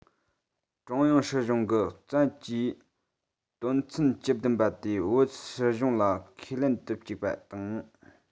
ཀྲུང དབྱང སྲིད གཞུང གི བཙན གྱིས དོན ཚན བཅུ བདུན དེ བོད སྲིད གཞུང ལ ཁས ལེན དུ བཅུག པ དང